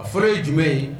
A fɔlɔ ye jumɛn ye